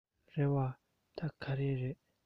རེ བ ད ག ཟེ རེད